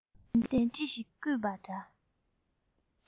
གཏན གཏན ཅི ཞིག བརྐུས པ འདྲ